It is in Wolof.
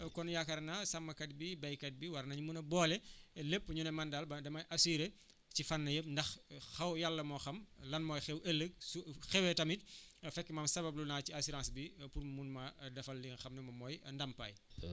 kon yaakaar naa sàmmkat bi béykat bi war nañu mun a boole lépp ñu ne man daal damay assuré ci fànn yëpp ndax xaw yàlla moo xam lan mooy xew ëllëg su xewee tamit fekk man sabablu naa ci assurance bi pour mu mun maa defal li nga xam ne moom mooy ndàmpaay